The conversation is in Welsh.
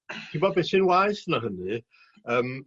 Chi bo' be' sy'n waeth na hynny yym